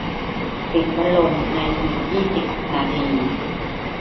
ปิดพัดลมในอีกยี่สิบนาที